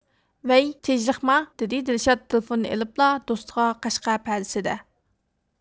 ۋەي تېژلىقما دىدى دىلشاد تېلىفوننى ئېلىپلا دوستىغا قەشقەر پەدىسىدە